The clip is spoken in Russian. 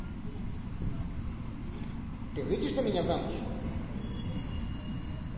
ты выйдешь за меня замуж